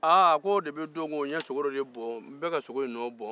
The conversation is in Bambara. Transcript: a ko kabi donŋo n ye sogo dɔ bon n bɛka sogo in nɔ bɔ